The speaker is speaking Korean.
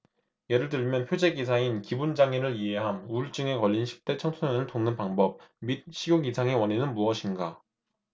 예를 들면 표제 기사인 기분 장애를 이해함 우울증에 걸린 십대 청소년을 돕는 방법 및 식욕 이상의 원인은 무엇인가